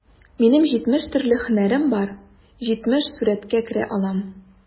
Минем җитмеш төрле һөнәрем бар, җитмеш сурәткә керә алам...